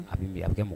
A bɛ mi kɛ mɔgɔ